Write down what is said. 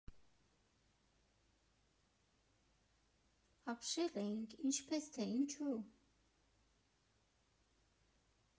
Ապշել էինք, ինչպե՞ս թե, ինչու՞։